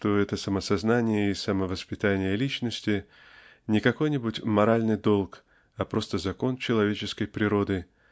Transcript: что это самосознание и самовоспитание личности--не какой-нибудь моральный долг а просто закон человеческой природы